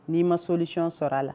N'i ma solicyon sɔrɔ a la